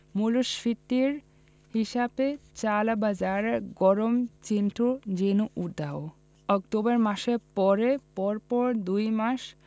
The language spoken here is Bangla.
মূল্যস্ফীতির হিসাবে চালের বাজারের গরম চিত্র যেন উধাও অক্টোবর মাসের পরে পরপর দুই মাস